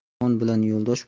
yomon bilan yo'ldosh